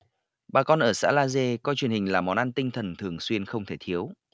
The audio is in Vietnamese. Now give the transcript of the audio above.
bà con ở xã la dê coi truyền hình là món ăn tinh thần thường xuyên không thể thiếu